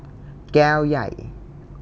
แก้วใหญ่